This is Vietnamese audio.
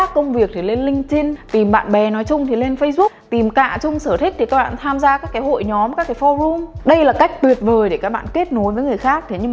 công việc thì lên linkedin tìm bạn bè nói chung thì lên facebook tìm cạ chung sở thích thì các bạn tham gia các cái hội nhóm các cái forum đây là cách tuyệt vời để các bạn kết nối với người khác thế nhưng mà